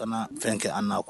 Kana fɛn kɛ an na k